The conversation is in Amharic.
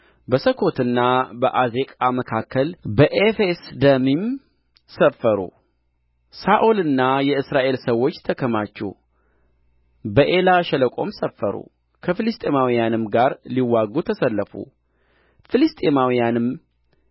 በሰኮትና በዓዜቃ መካከል በኤፌስደሚም ሰፈሩ ሳኦልና የእስራኤል ሰዎች ተከማቹ በዔላ ሸለቆም ሰፈሩ ከፍልስጥኤማውያንም ጋር ሊዋጉ ተሰለፉ ፍልስጥኤማውያንም